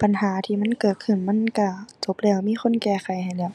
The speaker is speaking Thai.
ปัญหาที่มันเกิดขึ้นมันก็จบแล้ว มีคนแก้ไขให้แล้ว